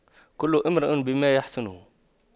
كل امرئ بما يحسنه